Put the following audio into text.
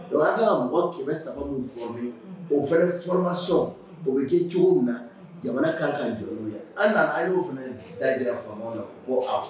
Donc an be ka mɔgɔ 300 min former unhun o fɛnɛ formation o be ke cogominna jamana kaan ka jɔ a' ye na an ɲ'o fɛnɛ j dajira faamaw la ko awɔ